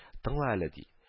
Тыңла әле ди